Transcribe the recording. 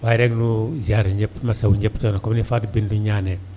waaye rek ñu ziare ñëpp masawu ñëpp coono comme ni ko Fatou binetou ñaanee